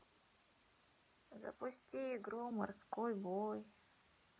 запусти игру морской бой